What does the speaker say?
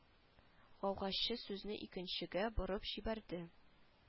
Гаугачы сүзне икенчегә борып җибәрде